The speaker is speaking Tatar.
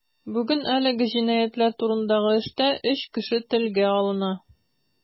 Бүген әлеге җинаятьләр турындагы эштә өч кеше телгә алына.